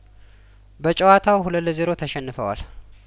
በጨዋታው ሁለት ለዜሮ ተሸንፈዋል